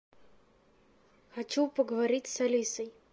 хочу поговорить с алисой